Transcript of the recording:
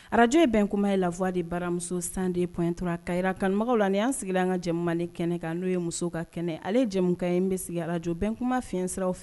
radio ye bɛn kuma ye la voix de sahel de baramuso 102.3 ka jira an kanubagaw la ni ye an sigilen ye an ka jɛmu kɛnɛ kan n'o ye muso ka kɛnɛ , ale ye jɛmukan ye min bɛ sigi radion sahel bɛn kuma_ fiɲɛn siraraw fɛ.